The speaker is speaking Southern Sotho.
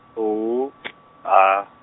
O P A.